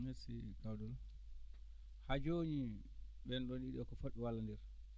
haa jooni ɓeen ɗoon ɗiɗo ko fotɓe wallonndirde